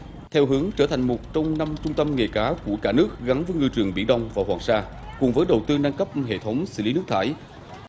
theo hướng trở thành một trung tâm trung tâm nghề cá của cả nước gắn với ngư trường biển đông và hoàng sa cùng với đầu tư nâng cấp hệ thống xử lý nước thải